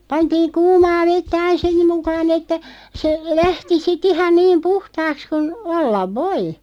pantiin kuumaa vettä aina sen mukaan että se lähti sitten ihan niin puhtaaksi kuin olla voi